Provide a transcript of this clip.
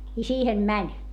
ja siihen meni